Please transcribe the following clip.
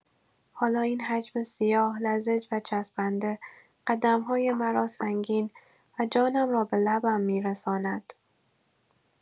حالا این حجم سیاه، لزج و چسبنده، قدم‌های مرا سنگین و جانم را به لبم می‌رساند.